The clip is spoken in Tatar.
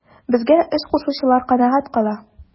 Безгә эш кушучылар канәгать кала.